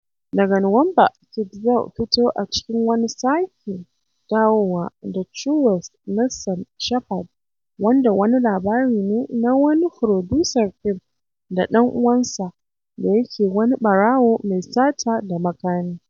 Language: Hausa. Daga Nuwamba Kit zau fito a cikin wani sake dawowa da True West na Sam Shepard wanda wani labari ne na wani furodusan fim da ɗan uwansa, da yake wani ɓarawo mai sata da makami.